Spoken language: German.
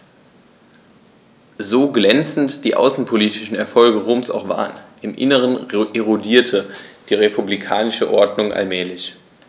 So glänzend die außenpolitischen Erfolge Roms auch waren: Im Inneren erodierte die republikanische Ordnung allmählich.